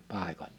paikoilleen